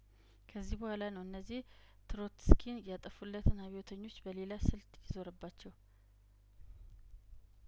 ከዚህ በኋላ ነው እነዚህ ትሮትስኪን ያጠፉለትን አብዮተኞች በሌላ ስልት የዞረባቸው